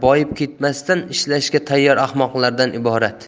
boyib ketmasdan ishlashga tayyor ahmoqlardan iborat